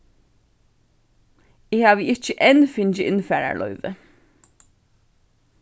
eg havi ikki enn fingið innfararloyvi